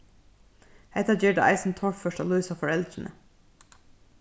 hetta ger tað eisini torført at lýsa foreldrini